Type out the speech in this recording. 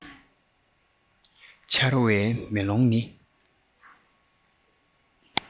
འཆར བའི མེ ལོང ནི